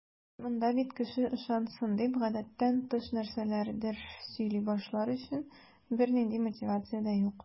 Монда бит кеше ышансын дип, гадәттән тыш нәрсәләрдер сөйли башлар өчен бернинди мотивация дә юк.